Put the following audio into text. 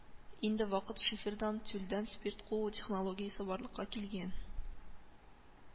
Инде ватык шифердан, тольдән спирт куу технологиясе барлыкка килгән